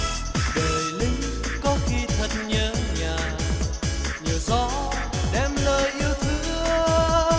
đời lính có khi thật nhớ nhà nhờ gió đem lời yêu thương